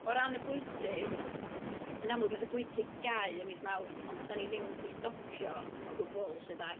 O ran y bwyty, yn amlwg wnaeth y bwyty gau ym mis Mawrth, ond dan ni ddim 'di stopio o gwbl 'lly de.